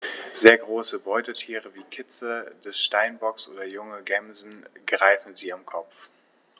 Sehr große Beutetiere wie Kitze des Steinbocks oder junge Gämsen greifen sie am Kopf.